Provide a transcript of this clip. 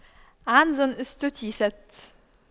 عنز استتيست